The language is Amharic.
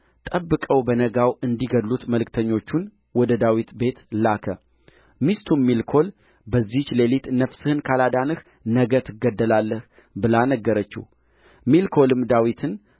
ጠብቀው በነጋው እንዲገድሉት መልእክተኞቹን ወደ ዳዊት ቤት ላከ ሚስቱም ሜልኮል በዚህች ሌሊት ነፍስህን ካላዳንህ ነገ ትገደላለህ ብላ ነገረችው ሜልኮልም ዳዊትን